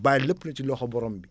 bàyyi lépp nag ci loxo borom b